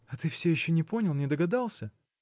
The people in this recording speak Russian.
– А ты все еще не понял, не догадался?